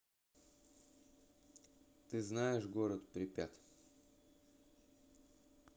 ты знаешь город припять